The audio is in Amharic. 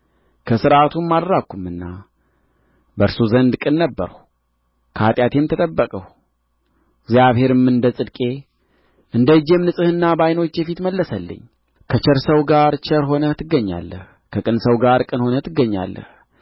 ከሥርዓቱም አልራቅሁምና በእርሱ ዘንድ ቅን ነበርሁ ከኃጢአቴም ተጠበቅሁ እግዚአብሔርም እንደ ጽድቄ እንደ እጄም ንጽሕና በዓይኖቹ ፊት መለሰልኝ ከቸር ሰው ጋር ቸር ሆነህ ትገኛለህ ከቅን ሰው ጋር ቅን ሆነህ ትገኛለህ